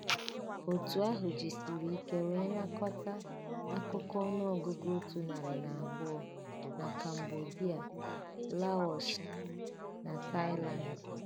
Òtù ahụ jisirike wee nakọta akụkọ ọnụọgụgụ 102 na Cambodia, Laos, na Thailand.